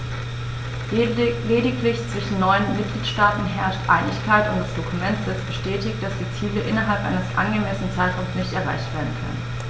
Lediglich zwischen neun Mitgliedsstaaten herrscht Einigkeit, und das Dokument selbst bestätigt, dass die Ziele innerhalb eines angemessenen Zeitraums nicht erreicht werden können.